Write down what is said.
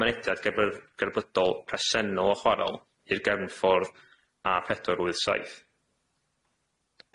mynediad gerby- gerbydol presennol y chwaral i'r gefnffordd a pedwar wyth saith.